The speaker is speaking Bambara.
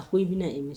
A ko i bɛna émiss